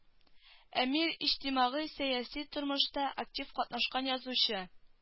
Әмир иҗтимагый-сәяси тормышта актив катнашкан язучы